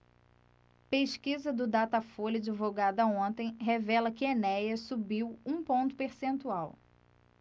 pesquisa do datafolha divulgada ontem revela que enéas subiu um ponto percentual